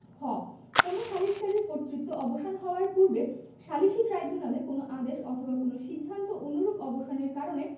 খ কোন সালিসকারীর কর্তৃত্ব অবসান হওয়ার পূর্বে সালিসী ট্রাইব্যুনালের কোন আদেশ অথবা কোন সিদ্ধান্ত অনুরূপ অবসানের কারণে